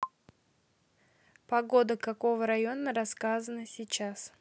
погода какого района рассказана сейчас